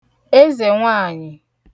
ezènwaànyị̀